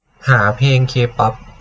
หาเพลงเคป๊อป